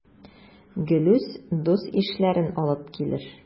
Гелүс дус-ишләрен алып килер.